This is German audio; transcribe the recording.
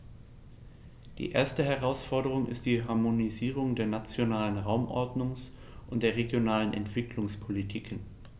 Die erste Herausforderung ist die Harmonisierung der nationalen Raumordnungs- und der regionalen Entwicklungspolitiken.